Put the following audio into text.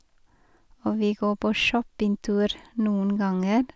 Og vi gå på shoppingtur noen ganger.